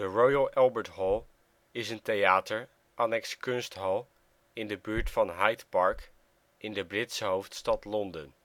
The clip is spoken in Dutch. Royal Albert Hall is een theater annex kunsthal in de buurt van Hyde Park in de Britse hoofdstad Londen